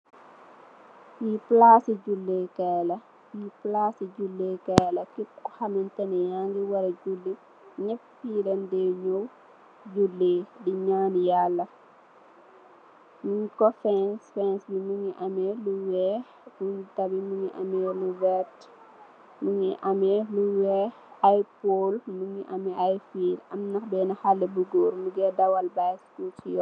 Fi palasi joleh kai la ak pur nyan munge am fence bu wekh ak buntu bange werta munge am khaleh yuy dawal bicycle